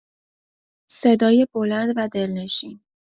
صدای بلند و دلنشین